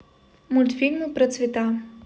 мультфильмы про цвета